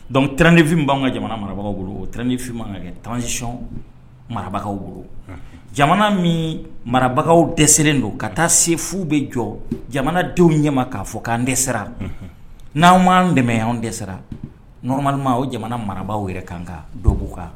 Dɔnku tinfin b'an ka jamana marabagaw bolo o tinfin man ka kɛ tamasisɔn marabagawkaw bolo jamana min marabagaw dɛsɛ selenlen don ka taa se fuw bɛ jɔ jamanadenw ɲɛ k'a fɔ k'an dɛsɛsa n'an m'an dɛmɛ anw dɛsɛra nɔnɔmama o jamana marabagaw yɛrɛ kan kan dɔ b kan